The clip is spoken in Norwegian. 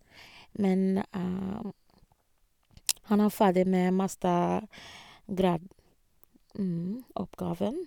Men han er ferdig med mastergradoppgaven.